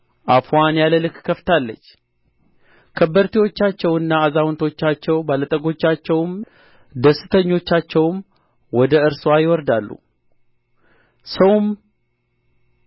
አፍዋንም ያለ ልክ ከፍታለች ከበርቴዎቻቸውና አዛውንቶቻቸው ባለጠጎቻቸውም ደስተኞቻቸውም ወደ እርስዋ ይወርዳሉ ሰውም